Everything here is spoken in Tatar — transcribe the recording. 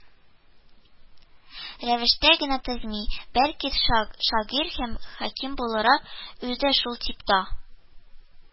Рәвештә генә төземи, бәлки, шашагыйрь һәм хәким буларак, үз дә шул типта